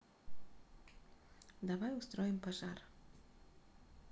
давай устроим пожар